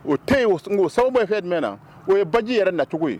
O tɛ ye k'o sababu bɛ kɛ jumɛn na o ye baji yɛrɛ nacogo ye.